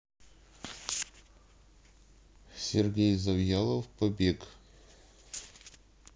сергей завьялов побег